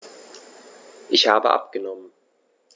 Ich habe abgenommen.